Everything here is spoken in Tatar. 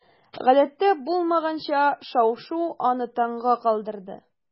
Гадәттә булмаганча шау-шу аны таңга калдырды.